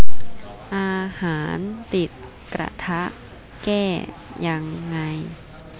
อาหารติดกระทะแก้ยังไง